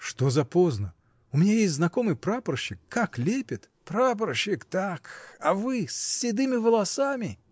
— Что за поздно: у меня есть знакомый прапорщик — как лепит!. — Прапорщик — так, а вы. с седыми волосами!